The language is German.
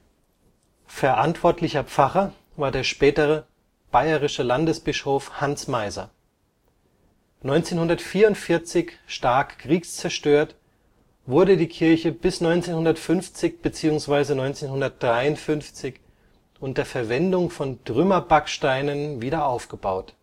Verantwortlicher Pfarrer war der spätere bayerische Landesbischof Hans Meiser. 1944 stark kriegszerstört, wurde die Kirche bis 1950 / 1953 unter Verwendung von Trümmerbacksteinen wieder aufgebaut